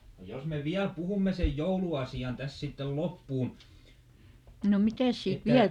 no jos me vielä puhumme sen jouluasian tässä sitten loppuun että